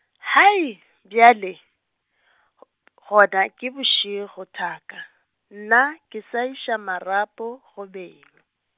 haai bjale , g- gona ke bošego thaka, nna ke sa iša marapo go beng.